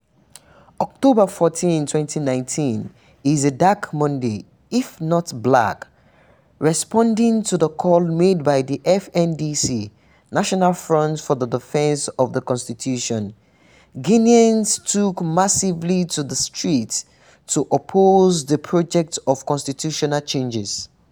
October 14, 2019, is a dark Monday, if not black, responding to the call made by the FNDC [National Front for the Defense of the Constitution], Guineans took massively to the streets to oppose the project of constitutional changes.